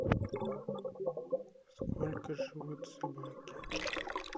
сколько живут собаки